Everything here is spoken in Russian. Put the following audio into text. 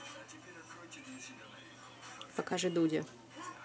покажи дудя